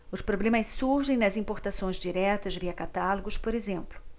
os problemas surgem nas importações diretas via catálogos por exemplo